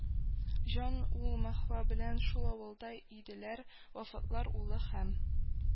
Җан: ул маһва белән шул авылда иделәр, вафатлар, улы һәм